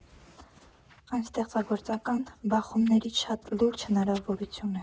Այն ստեղծագործական բախումների շատ լուրջ հնարավորություն է։